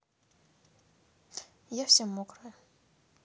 я вся мокрая